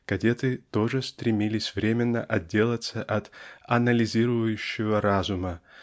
Кадеты тоже стремились временно отделаться от анализирующего разума